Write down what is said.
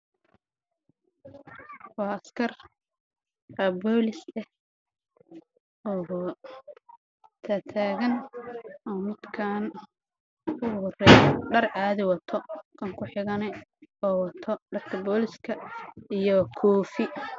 Waa askar boolis ah